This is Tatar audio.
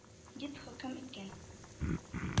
— дип хөкем иткән.